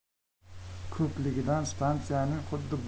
ko'pligidan stansiyaning xuddi